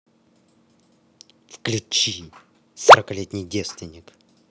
включи сорокалетний девственник